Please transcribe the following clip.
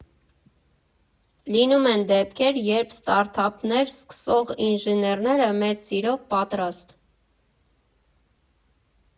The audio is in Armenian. Լինում են դեպքեր, երբ ստարտափներ սկսող ինժեներները մեծ սիրով պատրաստ։